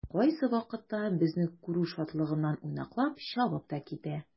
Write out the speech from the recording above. Кайсы вакытта безне күрү шатлыгыннан уйнаклап чабып та китә.